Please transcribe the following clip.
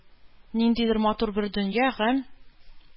Ниндидер матур бер дөнья, гамь,